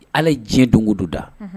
Ala ye diɲɛ don oduda